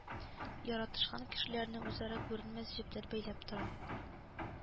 Яратышкан кешеләрне үзара күренмәс җепләр бәйләп тора